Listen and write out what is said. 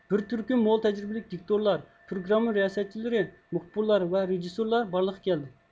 بىر تۈركۈم مول تەجرىبىلىك دىكتورلار پروگرامما رىياسەتچىلىرى مۇخبىرلار ۋە رېژىسسورلار بارلىققا كەلدى